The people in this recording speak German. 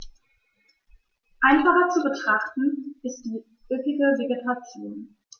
Einfacher zu betrachten ist die üppige Vegetation.